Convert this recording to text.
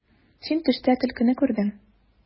Син төштә төлкене күрдең.